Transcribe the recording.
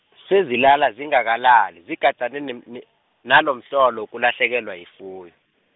sezilala zingakalali, zigadane nem- ne- nalomhlolo wokulahlekelwa yifu-.